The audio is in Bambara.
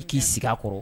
I k'i sigi kɔrɔ